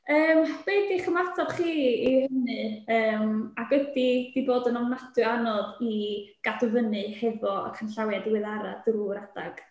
Yym, be ydi'ch ymateb chi i hynny? Yym, ac a ydy hi 'di bod yn ofnadwy o anodd i gadw fyny hefo y canllawiau diweddaraf drwy'r adeg?